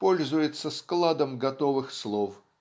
пользуется складом готовых слов